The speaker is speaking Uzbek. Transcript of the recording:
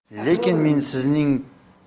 lekin men sizning